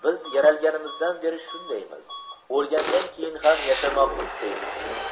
biz yaralganimizdan beri shundaymiz o'lgandan keyin ham yashamoqni istaymiz